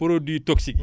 produits toxiques yi